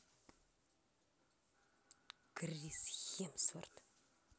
крис хемсворт